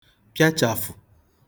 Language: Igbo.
pịachàfụ